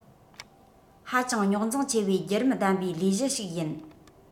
ཧ ཅང རྙོག འཛིང ཆེ བའི རྒྱུད རིམ ལྡན པའི ལས གཞི ཞིག ཡིན